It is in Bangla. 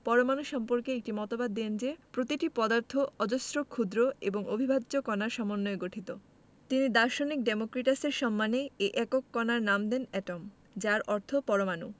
পরমাণু সম্পর্কে একটি মতবাদ দেন যে প্রতিটি পদার্থ অজস্র ক্ষুদ্র এবং অবিভাজ্য কণার সমন্বয়ে গঠিত তিনি দার্শনিক ডেমোক্রিটাসের সম্মানে এ একক কণার নাম দেন Atom যার অর্থ পরমাণু